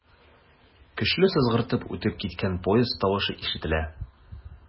Көчле сызгыртып үтеп киткән поезд тавышы ишетелә.